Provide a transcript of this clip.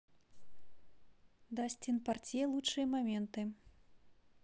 дастин порье лучшие моменты